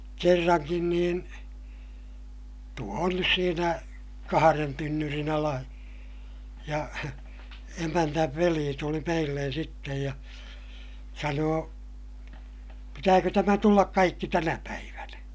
kerrankin niin tuo on nyt siinä kahden tynnyrin ala ja emännän veli tuli meille sitten ja sanoi pitääkö tämä tulla kaikki tänä päivänä